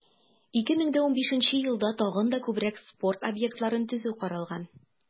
2015 елда тагын да күбрәк спорт объектларын төзү каралган.